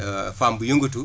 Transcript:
femme bu yëngatu